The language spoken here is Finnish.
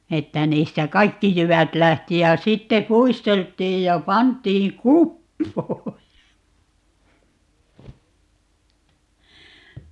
että niistä kaikki jyvät lähti ja sitten puisteltiin ja pantiin kupoon ja